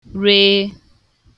ree